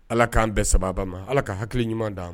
Ala k'an bɛn sababa ma, ala ka hakili ɲuman d'an ma.